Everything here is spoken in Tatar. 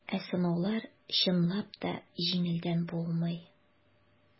Ә сынаулар, чынлап та, җиңелдән булмый.